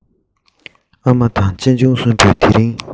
ཨ མ དང གཅེན གཅུང གསུམ པོས དེ རིང